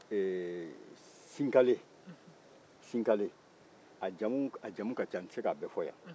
eee sinkale sinkale a jamu ka n te se k'a bɛɛ fɔ yan